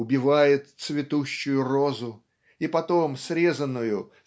убивает цветущую розу и потом срезанную